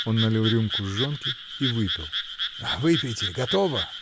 Он налил рюмку жжёнки и выпил. — Выпейте: готова!